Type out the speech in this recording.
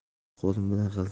bir qo'lim bilan